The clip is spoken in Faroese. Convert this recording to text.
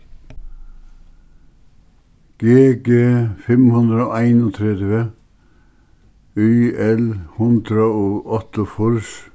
g g fimm hundrað og einogtretivu y l hundrað og áttaogfýrs